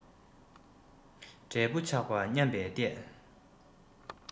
འབྲས བུ ཆགས པ ཉམས པའི ལྟས